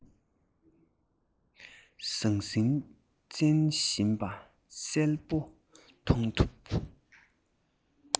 ཟང ཟིང རྩེན བཞིན པ གསལ པོ མཐོང ཐུབ